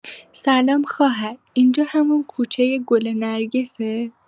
سلام خواهر، اینجا همون کوچۀ گل نرگسه؟